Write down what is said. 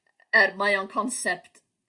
e- e- er mae o'n concept